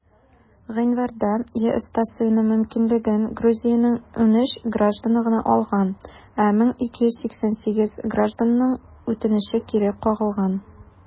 Гыйнварда ЕСта сыену мөмкинлеген Грузиянең 13 гражданы гына алган, ә 1288 гражданның үтенече кире кагылган.